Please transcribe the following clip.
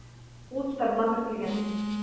Ул китабыма кертелгән.